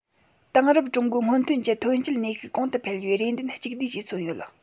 དེང རབས ཀྲུང གོའི སྔོན ཐོན གྱི ཐོན སྐྱེད ནུས ཤུགས གོང དུ འཕེལ བའི རེ འདུན གཅིག བསྡུས ཀྱིས མཚོན ཡོད